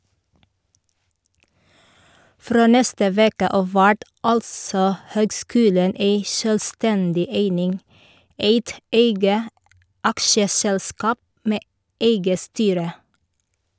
Frå neste veke av vert altså høgskulen ei sjølvstendig eining, eit eige aksjeselskap med eige styre.